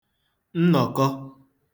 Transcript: nnọ̀kọ